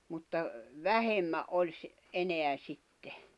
mutta vähemmän oli - enää sitten